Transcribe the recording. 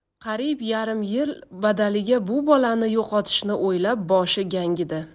qariyb yarim yil badalida bu bola ni yo'qotishni o'ylab boshi gangidi